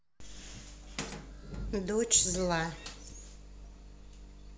дочь зла